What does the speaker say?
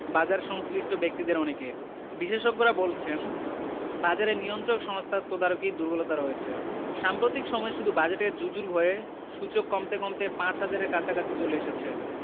বাজারসংশ্লিষ্ট ব্যক্তিদের অনেকে বিশেষজ্ঞরা বলছেন বাজারে নিয়ন্ত্রক সংস্থার তদারকি দুর্বলতা রয়েছে সাম্প্রতিক সময়ে শুধু বাজেটের জুজুর ভয়ে সূচক কমতে কমতে ৫ হাজারের কাছাকাছি চলে এসেছে